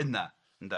yna ynde.